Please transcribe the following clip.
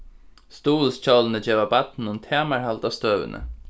stuðulshjólini geva barninum tamarhald á støðuni